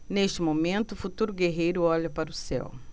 neste momento o futuro guerreiro olha para o céu